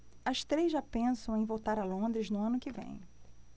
as três já pensam em voltar a londres no ano que vem